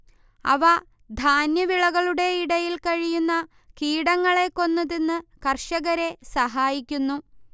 അവ ധാന്യവിളകളുടെ ഇടയിൽ കഴിയുന്ന കീടങ്ങളെ കൊന്ന് തിന്ന് കർഷകരെ സഹായിക്കുന്നു